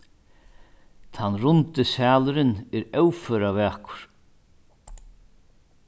tann rundi salurin er óføra vakur